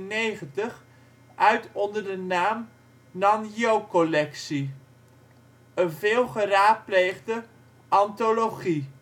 1890 uit onder de naam Nanjiō-collectie, een veel geraadpleegde anthologie